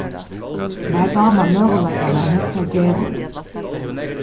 mær dámar møguleikarnar hetta gevur